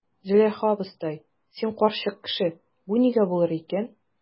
Зөләйха абыстай, син карчык кеше, бу нигә булыр икән?